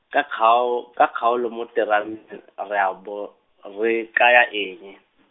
ka kgao-, ka kgaolo mo tera- , a re a bo, re, kaya eng?